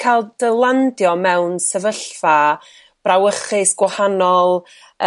ca'l dy landio mewn sefyllfa brawychus gwahanol y